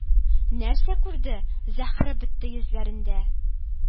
Нәрсә күрде?! — Зәһре бетте йөзләрендә,